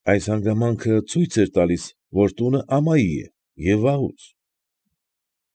Այս հանգամանքը ցույց էր տալիս, որ տունը ամայի է և վաղուց։